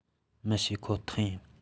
མི ཤེས ཁོ ཐག ཡིན